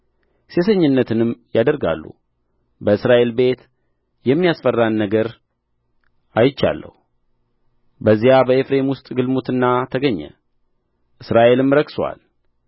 ሴሰኝነትንም ያደርጋሉ በእስራኤል ቤት የሚያስፈራን ነገር አይቻለሁ በዚያ በኤፍሬም ውስጥ ግልሙትና ተገኘ እስራኤልም ረክሶአል